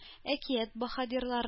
Әкият баһадирлары